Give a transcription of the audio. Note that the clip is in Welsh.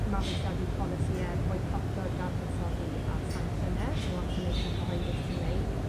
mabwysiadu polisïe boicotio dad-buddsoddi a sancsiyne yng ngwasanaethe cyhoeddus Cymreig.